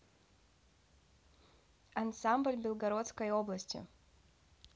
ансамбль белгородской области